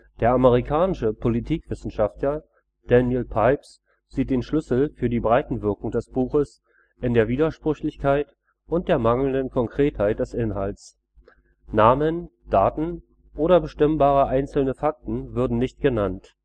Der amerikanische Politikwissenschaftler Daniel Pipes sieht den Schlüssel für die Breitenwirkung des Buches in der Widersprüchlichkeit und der mangelnden Konkretheit des Inhalts. Namen, Daten oder bestimmbare einzelne Fakten würden nicht genannt